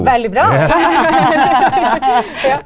veldig bra ja.